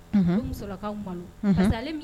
Musolakaw